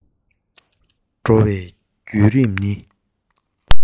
འགྲོ བའི བརྒྱུད རིམ ནི